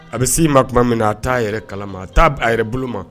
A bɛ si ma tuma min na ,a ta yɛrɛ kalama a ta yɛrɛ bolo ma.